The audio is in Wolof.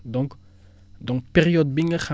donc donc période bi nga xam